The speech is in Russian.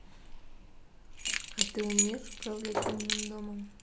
а ты умеешь управлять умным домом